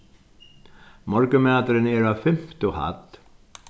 morgunmaturin er á fimtu hædd